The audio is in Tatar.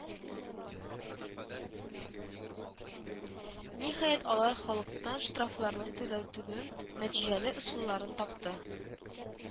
Ниһаять, алар халыктан штрафларын түләттерүнең нәтиҗәле ысулларын тапты